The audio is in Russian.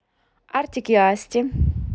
artik и asti